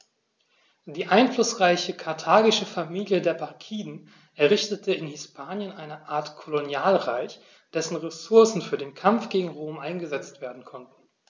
Die einflussreiche karthagische Familie der Barkiden errichtete in Hispanien eine Art Kolonialreich, dessen Ressourcen für den Kampf gegen Rom eingesetzt werden konnten.